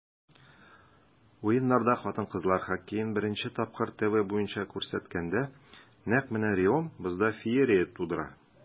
Уеннарда хатын-кызлар хоккеен беренче тапкыр ТВ буенча күрсәткәндә, нәкъ менә Реом бозда феерия тудыра.